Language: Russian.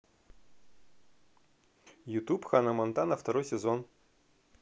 ютуб ханна монтана второй сезон